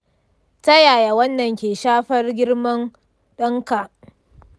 ta yaya wannan ke shafar girman ɗanka?